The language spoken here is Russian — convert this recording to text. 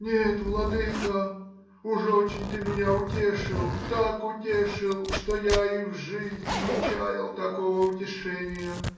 — Нет, владыко, уж очень ты меня утешил, так утешил, что я и в жизнь не чаял такого утешения!